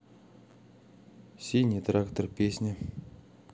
синий трактор песни